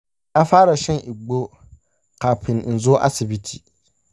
na fara shan agbo kafin in zo asibiti.